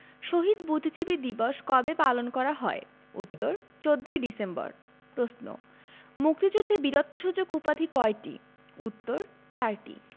শহীদ বুদ্ধিজীবী দিবস কবে পালন করা হয় উত্তর ১৪ ডিসেম্বর প্রশ্ন মুক্তিযুদ্ধে বীরত্বসূচক উপাধি কয়টি উত্তর চারটি